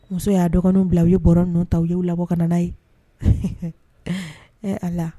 Muso y'a dɔgɔninw bila u ye bɔra ninnu ta u y'u labɔ ka n'a ye, ɛnhɛ, ee allah